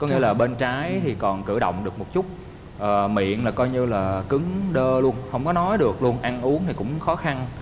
có nghĩa là bên trái thì còn cử động được một chút ở miệng là coi như là cứng đơ luôn hổng có nói được luôn ăn uống cũng khó khăn